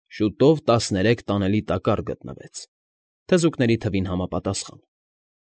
Շուտով տասներեք տանելի տակառ գտնվեց՝ թզուկների թվին համապատասխան։